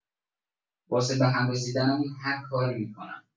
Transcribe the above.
واسه بهم رسیدنمون هرکاری می‌کنم.